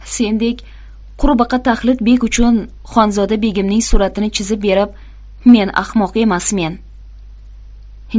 sendek qurbaqataxlit bek uchun xonzoda begimning suratini chizib berib men ahmoq emasmen